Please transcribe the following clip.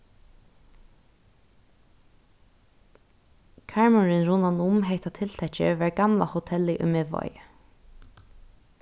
karmurin rundan um hetta tiltak var gamla hotellið í miðvági